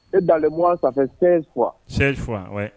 E danle mɔn ka sen